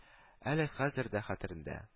Әле хәзер дә хәтерендә